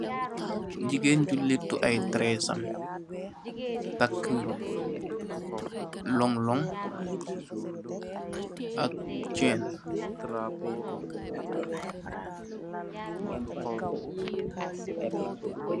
Jigeen bu lèttu ay teress am, takka lonlon ak cèèn.